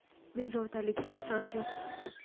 bezovtalikka asos yo'q